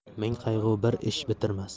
ming qayg'u bir ish bitirmas